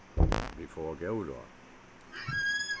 vit fáa góð ráð